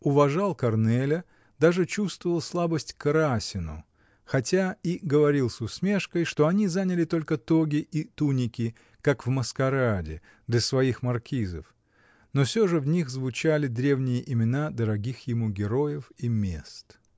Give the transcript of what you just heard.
Уважал Корнеля, даже чувствовал слабость к Расину, хотя и говорил с усмешкой, что они заняли только тоги и туники, как в маскараде, для своих маркизов: но всё же в них звучали древние имена дорогих ему героев и мест.